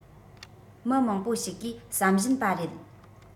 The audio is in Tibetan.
མི མང པོ ཞིག གིས བསམ བཞིན པ རེད